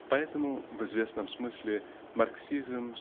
Поэтому в известном смысле марксизм